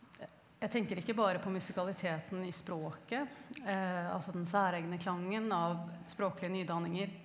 e jeg tenker ikke bare på musikaliteten i språket altså den særegne klangen av språklige nydanninger.